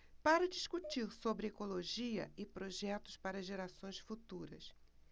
para discutir sobre ecologia e projetos para gerações futuras